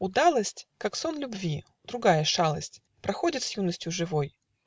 Удалость (Как сон любви, другая шалость) Проходит с юностью живой.